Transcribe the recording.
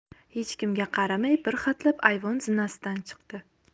hech kimga qaramay bir hatlab ayvon zinasidan chiqdi